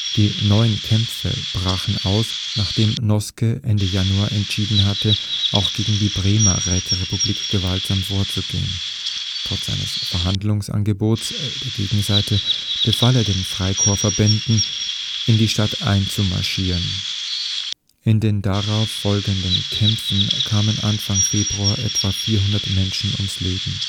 Die neuen Kämpfe brachen aus, nachdem Noske Ende Januar entschieden hatte, auch gegen die Bremer Räterepublik gewaltsam vorzugehen. Trotz eines Verhandlungsangebots der Gegenseite befahl er den Freikorpsverbänden, in die Stadt einzumarschieren. In den darauf folgenden Kämpfen kamen Anfang Februar etwa 400 Menschen ums Leben